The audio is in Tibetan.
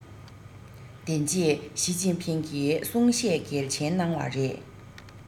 དེ རྗེས ཞིས ཅིན ཕིང གིས གསུང བཤད གལ ཆེན གནང བ རེད